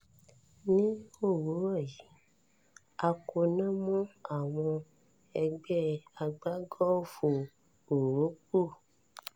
Ní òwúrò yí, a kóná mọ àwọn ẹgbẹ́ agbágọ́ọfù Úròòpù.